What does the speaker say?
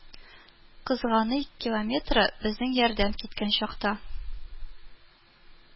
Кызганый километры безнең ярдәм киткән чакта